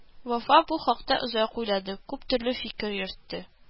Вафа бу хакта озак уйлады, күптөрле фикер йөртте